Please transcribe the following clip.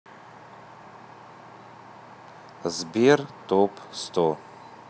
сбер топ сто